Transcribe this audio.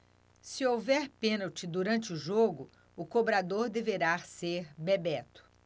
se houver pênalti durante o jogo o cobrador deverá ser bebeto